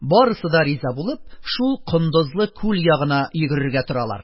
Барысы да риза булып, шул кондызлы күл ягына йөгерергә торалар.